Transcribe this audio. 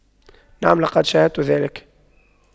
نعم لقد شاهدت ذلك